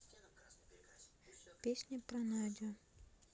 песня про надю